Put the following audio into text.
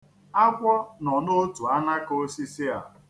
Agwọ nọ n'otu alakaosisi a.